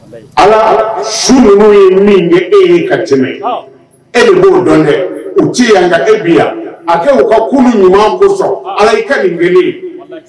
Ala su ninnu ye e ye ka tɛmɛ e b dɔn u ci yan e bi yan a kɛ ka ɲuman kosɔn ala' ka nin ye